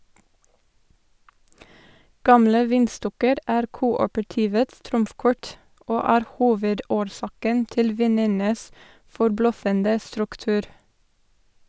Gamle vinstokker er kooperativets trumfkort, og er hovedårsaken til vinenes forbløffende struktur.